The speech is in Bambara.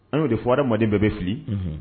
An y'o de fɔ hamaden bɛɛ bɛ fili